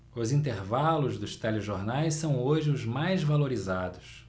os intervalos dos telejornais são hoje os mais valorizados